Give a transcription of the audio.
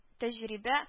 Тәҗрибә